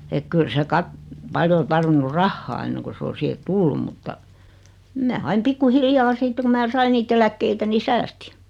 että kyllä se - paljon on tarvinnut rahaa ennen kuin se on siihen tullut mutta minä aina pikku hiljaa sitten kun minä sain niitä eläkkeitä niin säästin